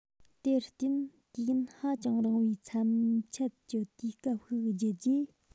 དེར བརྟེན དུས ཡུན ཧ ཅང རིང བའི མཚམས ཆད ཀྱི དུས སྐབས ཤིག བརྒྱུད རྗེས